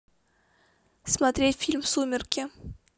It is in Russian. смотреть фильм сумерки